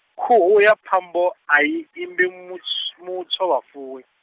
khuhu ya phambo, ayi imbi muts- mutsho vhafuwi.